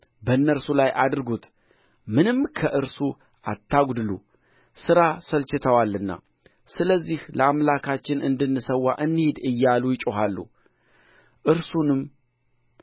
በእነርሱ ላይ አድርጉት ምንም ከእርሱ አታጕድሉ ሥራ ሰልችተዋልና ስለዚህ ለአምላካችን እንድንሰዋ እንሂድ እያሉ ይጮኻሉ እርሱንም